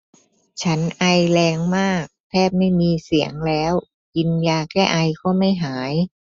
ฉันไอแรงมากแทบไม่มีเสียงแล้วกินยาแก้ไอก็ไม่หาย